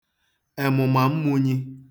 èmụ̀màmmūnyī